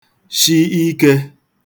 shi ikē